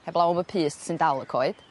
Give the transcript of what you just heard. heb law am y pyst sy'n dal y coed.